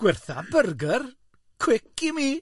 Gwertha byrgyr, quick i mi.